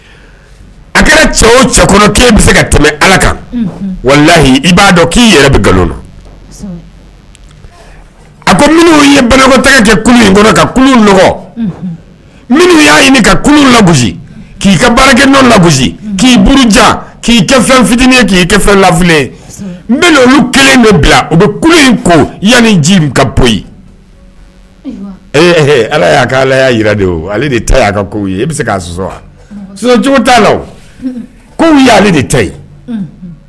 A kɛra cɛ o cɛ kɔnɔ ke bɛ se ka tɛmɛ ala kan wala lahi i b'a dɔn k' yɛrɛ na a ko minnu ye bana kɛ in ka minnu y'a ɲini ka labu k'i ka baarakɛ nɔn labu kiuru ja k'i kɛ fɛn fitinin ye k'i kɛ fɛn lafini ye n olu kelen bila u bɛ in ko yanani ka ala y' ala jira ale ta soso cogo ta la de